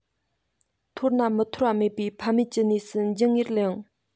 གཏོར ན མི འཐོར བ མེད པའི ཕམ མེད ཀྱི གནས སུ འགྱིང ངེར ལངས